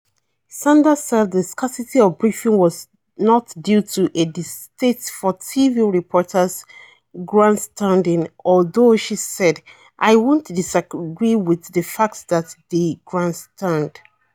Sanders said the scarcity of briefings was not due to a distaste for TV reporters "grandstanding," although she said: "I won't disagree with the fact that they grandstand."